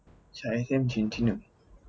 ใช้ไอเทมชิ้นที่หนึ่ง